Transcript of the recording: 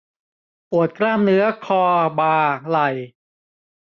ปวดกล้ามเนื้อคอบ่าไหล่